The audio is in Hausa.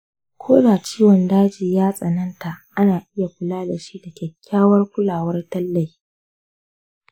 koda ciwon daji ya tsananta ana iya kula dashi da kyakkyawar kulawar tallafi.